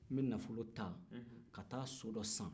n bɛ nafolo ta ka taa so dɔ san